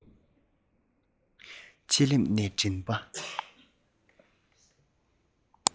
ལྕེ ལེབ ནས མགྲིན པ